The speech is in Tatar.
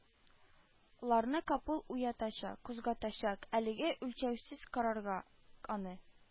Ларны капыл уятачак, кузгатачак, әлеге үлчәүсез карарга, аны